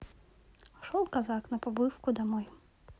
шел казак на побывку домой